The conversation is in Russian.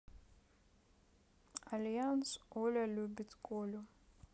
альянс оля любит колю